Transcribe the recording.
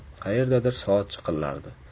qayerdadir soat chiqillardi